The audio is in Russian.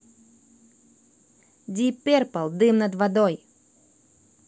дип перпл дым над водой